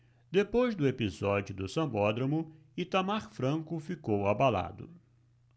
depois do episódio do sambódromo itamar franco ficou abalado